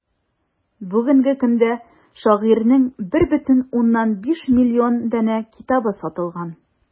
Бүгенге көндә шагыйрәнең 1,5 миллион данә китабы сатылган.